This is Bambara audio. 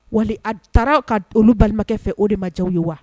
Wali a taara ka olu balimakɛ fɛ o de ma diyaw ye wa